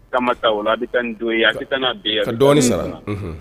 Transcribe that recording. Tama sa ola a bɛ taa nin doo ye a tɛ taa n'a bɛ ye a ka dɔɔnin sara la unnhun unhun